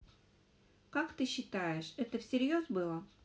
как ты считаешь это всерьез было